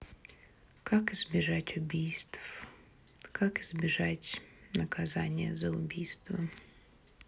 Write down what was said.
как избежать убийств как избежать наказания за убийство